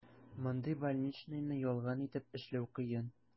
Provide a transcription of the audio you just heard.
Мондый больничныйны ялган итеп эшләү кыен.